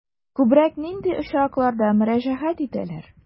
Күбрәк нинди очракларда мөрәҗәгать итәләр?